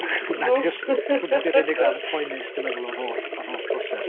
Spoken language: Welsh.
Ac hwnna 'di'r... wff! ... hwnna 'di'r unig ran poenus dwi'n meddwl o'r holl o'r holl broses.